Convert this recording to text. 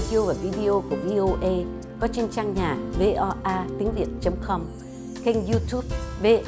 đi ô và vi đi ô của vi ô ây có trên trang nhà v o a tiếng việt chấm không kênh iup túp v